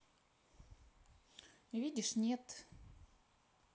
видишь нет